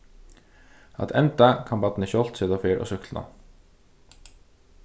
at enda kann barnið sjálvt seta ferð á súkkluna